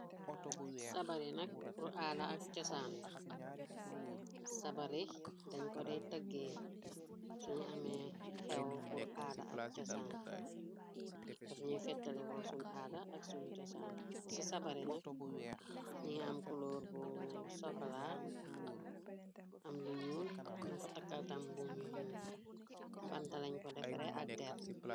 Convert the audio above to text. Sabari nak pur ada ak chosan sabari dañ ko dey tëggee suñu amee xew pur aada ak cosaan daf ñuy fettaleko sun aada ak sun cosaan ci sabari nak ñi am kuloor bu sokala am lu ñuul ñu ko takkaltam buñu ñuu bantalañ ko defare ak der.